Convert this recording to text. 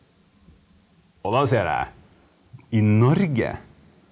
og da sier jeg i Norge?